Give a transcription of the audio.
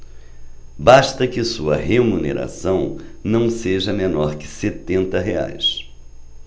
basta que sua remuneração não seja menor que setenta reais